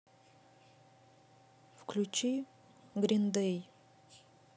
включи грин дэй